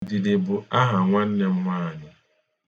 Ndidi bụ aha nwanne m nwaanyị.